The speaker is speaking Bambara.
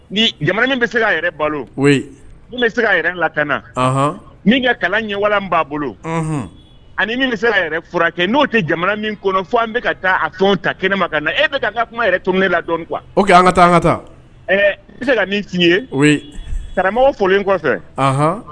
Nin jamana min bɛ se balo se yɛrɛ lakana ka kalan ɲɛwalan b'a bolo ani min bɛ se furakɛ n'o tɛ jamana min fɔ an bɛka ka taa tɔn ta kɛnɛ ma kan na e an ka kuma yɛrɛ tuguni la dɔn ka ka taa bɛ se ka tiɲɛ ye karamɔgɔ folilen kɔfɛ